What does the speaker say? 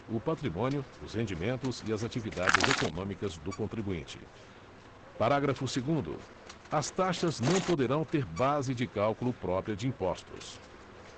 o patrimônio os rendimentos e as atividades econômicas do contribuinte parágrafo segundo as taxas não poderão ter base de cálculo própria de impostos